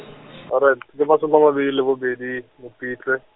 all right , ke masoma a mabedi le bobedi, Mopitlwe.